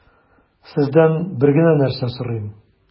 Сездән бер генә нәрсә сорыйм: